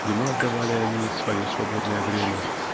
Ему отдавали они свое свободное время